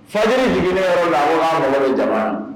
Fajiri jiginnen yɔrɔ la b' yɛrɛ bɛ jama